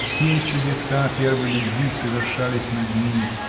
все чудеса первой любви совершались над ними.